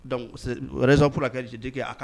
Donc raison pour laquelle, je dis que a ka